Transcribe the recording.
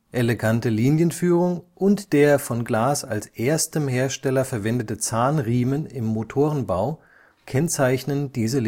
Elegante Linienführung und der von Glas als erstem Hersteller verwendete Zahnriemen im Motorenbau kennzeichnen diese